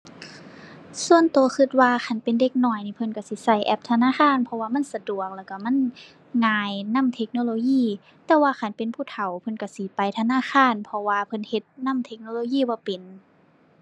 ส่วนตัวตัวว่าคันเป็นเด็กน้อยนี่ เพิ่นตัวสิตัวแอปธนาคาร เพราะว่ามันสะดวกแล้วตัวมันง่ายนำเทคโนโลยี แต่ว่าคันเป็นผู้เฒ่าเพิ่นตัวสิไปธนาคาร เพราะว่าเพิ่นเฮ็ดนำเทคโนโลยีบ่เป็น